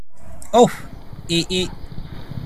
Oh, a’a.